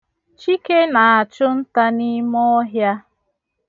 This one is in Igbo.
Chike na-achụ nta n'ime ọhịa.